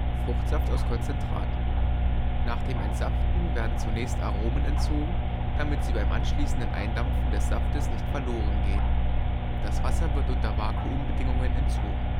Fruchtsaft aus Konzentrat: Nach dem Entsaften werden zunächst Aromen entzogen, damit sie beim anschließenden Eindampfen des Saftes nicht verloren gehen. Das Wasser wird unter Vakuumbedingungen entzogen